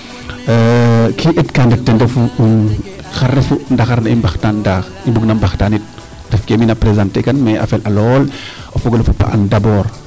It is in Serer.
kee i eet ka ndet ten refu xar refu ndaxar ne i mbaxtaan taa i mbug na mbaxtaa nit refke mi na presenter kan mais a fel a lool o fogole fop a an dabors